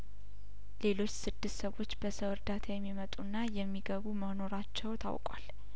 ሌሎች ስድስት ሰዎች በሰው እርዳታ የሚመጡና የሚገቡ መኖራቸው ታውቋል